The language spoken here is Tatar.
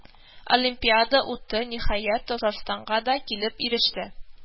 Олимпия уты, ниһаять, Татарстанга да килеп иреште